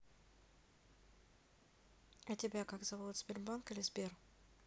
а тебя как зовут сбербанк или сбер